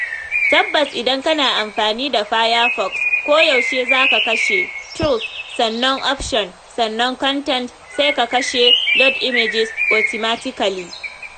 (Tabbas idan kana amfani da Firefox koyaushe za ka shiga ;Tools' sannan 'Option' sannan 'Content' sai ka kashe ''Load images autimatically')